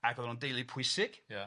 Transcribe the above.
ac o'dd o'n deulu pwysig... Ia....